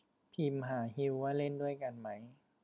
พิมหาฮิวว่าเล่นด้วยกันไหม